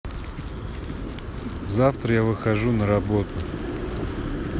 завтра я выхожу на работу